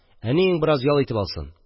Әниең бераз ял итеп алсын.